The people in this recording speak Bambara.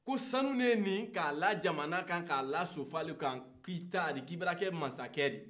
sanu le nin di k'a la jamana kan k'a la sofalu kan k'i t'a di